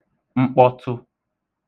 mkpọtụ